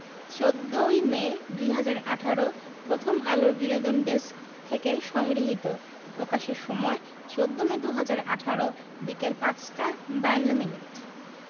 ১৪ই মে ২০১৮ প্রথমআলোর বিনোদন ডেস্কথেকে সংগ্রহীত প্রকাশের সময় ১৪মে ২০১৮ বিকেল ৫টা ৫২ মিনিট